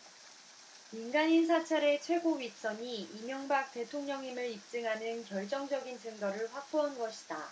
민간인 사찰의 최고 윗선이 이명박 대통령임을 입증하는 결정적인 증거를 확보한 것이다